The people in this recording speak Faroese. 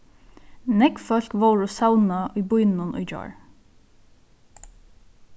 nógv fólk vóru savnað í býnum í gjár